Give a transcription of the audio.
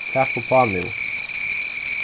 tak uppá nú